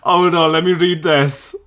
Hold on let me read this!